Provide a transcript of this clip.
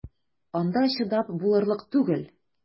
Анда чыдап булырлык түгел!